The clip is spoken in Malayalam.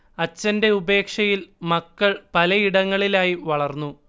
അച്ഛന്റെ ഉപേക്ഷയിൽ മക്കൾ പലയിടങ്ങളിലായി വളർന്നു